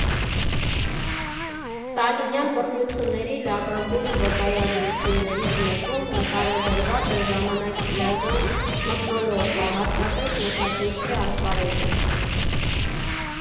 Ստալինյան բռնությունների լավագույն վկայագրություններից մեկում նկարագրված է ժամանակի դաժան մթնոլորտը, հատկապես մշակույթի ասպարեզում։